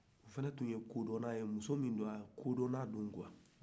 o fana tun ye ko dɔnna ye muso ko dɔnna tun do